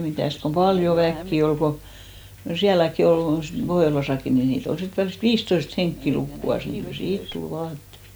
mitäs kun paljon väkeä oli kun niin sielläkin oli sitten Pohjolassakin niin niitä oli sitten välistä viisitoista henkeä lukuansa niin kyllä siitä tuli vaatetta